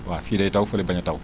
waaw fii day taw fële bañ a taw